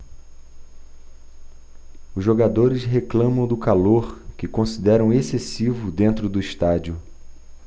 os jogadores reclamam do calor que consideram excessivo dentro do estádio